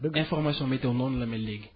donc nformation météo noonu la mel léegi